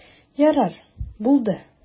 Ярар, булды.